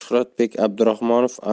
shuhratbek abdurahmonov